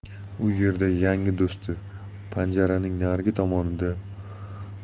u yerda yangi do'sti panjaraning narigi tomonida